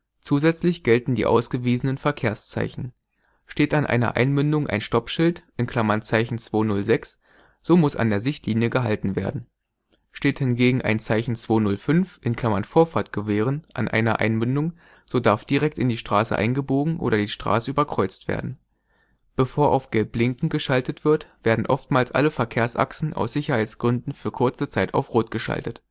Zusätzlich gelten die ausgewiesenen Verkehrszeichen. Steht an einer Einmündung ein Stoppschild (Zeichen 206), so muss an der Sichtlinie gehalten werden. Steht hingegen ein Zeichen 205 (Vorfahrt gewähren!) an einer Einmündung, so darf direkt in die Straße eingebogen oder die Straße überkreuzt werden. Bevor auf gelb blinken geschaltet wird, werden oftmals alle Verkehrsachsen aus Sicherheitsgründen für kurze Zeit auf Rot geschaltet